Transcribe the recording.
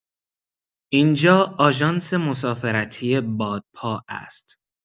این‌جا آژانس مسافرتی بادپا است.